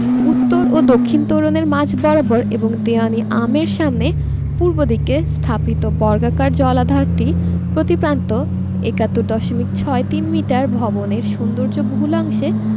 উত্তর ও দক্ষিণ তোরণের মাঝ বরাবর এবং দীউয়ান ই আমের সামনে পূর্ব দিকে স্থাপিত বর্গাকার জলাধারটি প্রতি প্রান্ত ৭১ দশমিক ছয় তিন মিটার ভবনের সৌন্দর্য বহুলাংশে